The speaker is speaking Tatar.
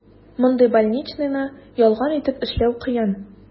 Мондый больничныйны ялган итеп эшләү кыен.